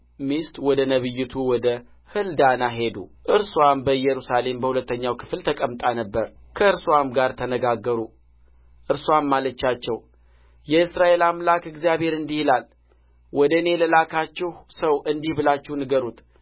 ሚስት ወደ ነቢያቱ ወደ ሕልዳና ሄዱ እርስዋም በኢየሩሳሌም በሁለተኛው ክፍል ተቀምጣ ነበር ከእርስዋም ጋር ተነጋገሩ እርስዋም አለቻቸው የእስራኤል አምላክ